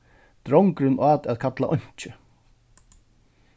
drongurin át at kalla einki